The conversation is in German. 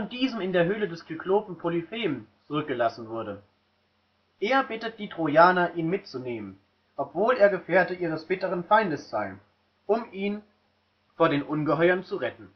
diesem in der Höhle des Kyklopen Polyphem zurückgelassen wurde. Er bittet die Trojaner, ihn mitzunehmen, obwohl er Gefährte ihres bitteren Feindes sei, um ihn vor den Ungeheuern zu retten